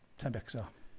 Sa i'n becso.